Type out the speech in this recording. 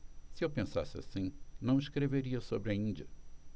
se eu pensasse assim não escreveria sobre a índia